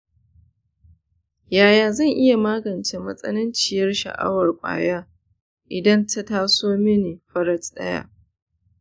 yaya zan iya magance matsananciyar sha'awar ƙwaya idan ta taso mini farat ɗaya?